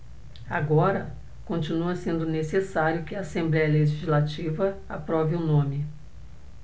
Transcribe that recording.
agora continua sendo necessário que a assembléia legislativa aprove o nome